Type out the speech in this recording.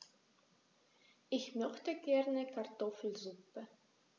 Ich möchte gerne Kartoffelsuppe.